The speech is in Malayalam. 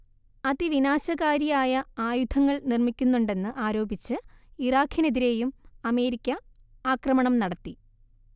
അതിവിനാശകാരിയായ ആയുധങ്ങൾ നിർമ്മിക്കുന്നുണ്ടെന്ന് ആരോപിച്ച് ഇറാഖിനെതിരെയും അമേരിക്ക ആക്രമണം നടത്തി